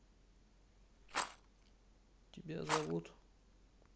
тебя зовут